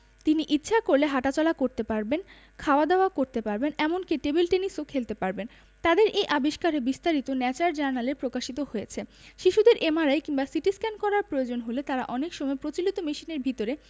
তিনি ইচ্ছা করলে হাটাচলা করতে পারবেন খাওয়া দাওয়া করতে পারবেন এমনকি টেবিল টেনিসও খেলতে পারবেন তাদের এই আবিষ্কারের বিস্তারিত ন্যাচার জার্নালে প্রকাশিত হয়েছে শিশুদের এমআরআই কিংবা সিটিস্ক্যান করার প্রয়োজন হলে তারা অনেক সময় প্রচলিত মেশিনের ভেতর